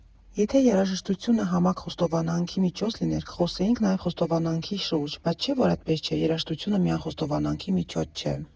֊ Եթե երաժշտությունը համակ խոստովանանքի միջոց լիներ, կխոսեինք նաև խոստովանանքի շուրջ, բայց չէ որ այդպես չէ՝ երաժշտությունը միայն խոստովանանքի միջոց չէ։